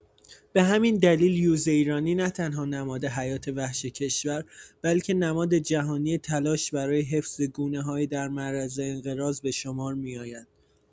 به همین دلیل یوز ایرانی نه‌تنها نماد حیات‌وحش کشور، بلکه نماد جهانی تلاش برای حفظ گونه‌های در معرض انقراض به شمار می‌آید.